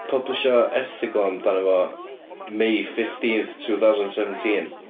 pyblishio erthygl amdano fo May fifteenth, two thousand seventeen?